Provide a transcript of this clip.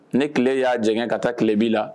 Ne tile y'a jɛ ka taa tileb la